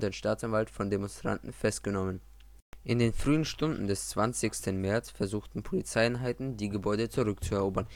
Staatsanwalt von Demonstranten festgenommen. In den frühen Stunden des 20. März versuchten Polizeieinheiten, die Gebäude zurückzuerobern